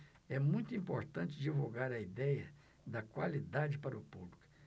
é muito importante divulgar a idéia da qualidade para o público